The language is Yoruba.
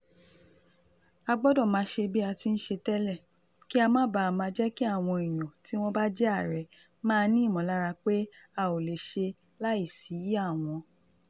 A gbọdọ̀ máa ṣe bí a ti ń ṣe tẹ́lẹ̀ kí á má bá máa jẹ́ kí àwọn èèyàn tí wọ́n bá jẹ Ààrẹ máa ní ìmọ̀lára pé a ò lè ṣe láìsí àwọn.